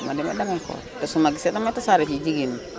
su ma demee it damay xool te suma gisee it damay tasaare ci jigéen ñi